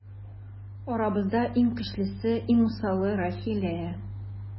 Арабызда иң көчлесе, иң усалы - Рәхилә.